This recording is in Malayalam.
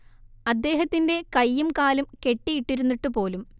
അദ്ദേഹത്തിന്റെ കൈയും കാലും കെട്ടിയിട്ടിരുന്നിട്ടുപോലും